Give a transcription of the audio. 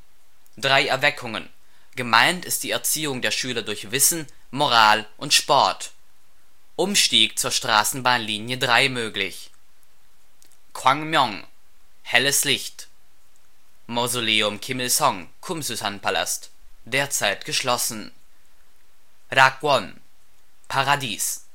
Drei Erweckungen; gemeint ist die Erziehung der Schüler durch Wissen, Moral und Sport), Umstieg zur Straßenbahnlinie 3 möglich Kwangmyŏng (광명 = Helles Licht), Mausoleum Kim Il-sung (Kumsusan-Palast); derzeit geschlossen Rakwŏn (락원 = Paradies